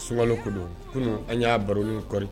Sunugankalo ko kunun an y'a baroɔri